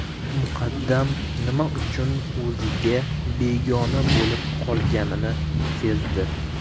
muqaddam nima uchun o'ziga begona bo'lib qolganini sezdi